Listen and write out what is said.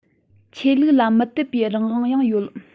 ཆོས ལུགས ལ མི དད པའི རང དབང ཡང ཡོད